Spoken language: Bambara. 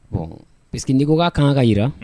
Bon pjuguba ka kan ka jirara